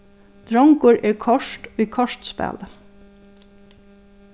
drongur er kort í kortspæli s